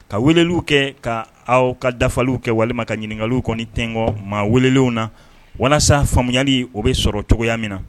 Ka weleliw kɛ ka aw ka dafaw kɛ walima ka ɲininkaliw kɔni tɛgɔ maa welelenw na walasa faamuyayali o bɛ sɔrɔcogo min na